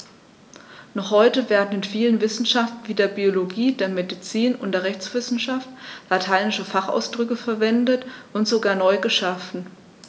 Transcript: Noch heute werden in vielen Wissenschaften wie der Biologie, der Medizin und der Rechtswissenschaft lateinische Fachausdrücke verwendet und sogar neu geschaffen.